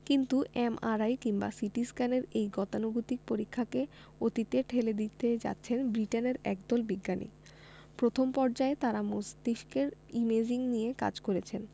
কিন্তু এমআরআই কিংবা সিটিস্ক্যানের এই গতানুগতিক পরীক্ষাকে অতীতে ঠেলে দিতে যাচ্ছেন ব্রিটেনের একদল বিজ্ঞানী প্রথম পর্যায়ে তারা মস্তিষ্কের ইমেজিং নিয়ে কাজ করেছেন